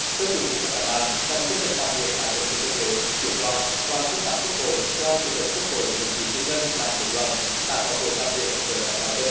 thưa quý vị và các bạn trong chương trình làm việc tại tỉnh thừa thiên huế chiều qua đoàn công tác quốc hội do chủ tịch quốc hội nguyễn thị kim ngân làm trưởng đoàn đã có buổi làm việc với lãnh đạo tỉnh